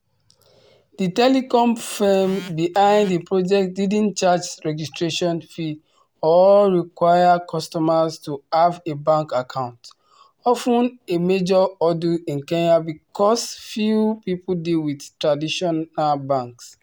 The telecom firms behind the project didn’t charge registration fees or require customers to have a bank account, often a major hurdle in Kenya because few people deal with traditional banks.